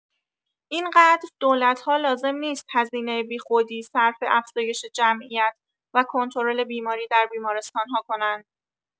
اینقدر دولت‌ها لازم نیست هزینه بیخودی صرف افزایش جمعیت و کنترل بیماری در بیمارستان‌ها کنند.